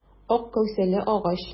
Ак кәүсәле агач.